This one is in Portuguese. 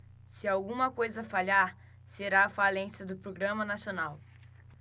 se alguma coisa falhar será a falência do programa nacional